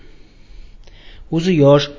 uzi yosh